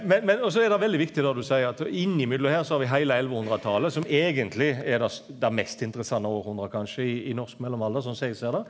men men og så er det veldig viktig det du seier at innimellom her så har vi heile ellevehundretalet som eigentleg er det det mest interessante århundret kanskje i i norsk mellomalder sånn som eg ser det.